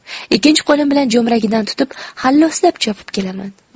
ikkinchi qo'lim bilan jo'mragidan tutib halloslab chopib kelaman